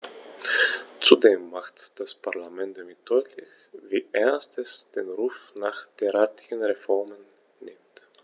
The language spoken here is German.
Zudem macht das Parlament damit deutlich, wie ernst es den Ruf nach derartigen Reformen nimmt.